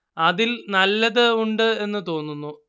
അതിൽ നല്ലത് ഉണ്ട് എന്ന് തോന്നുന്നു